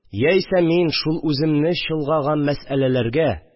Яисә мин, шул үземне чолгаган мәсьәләләргә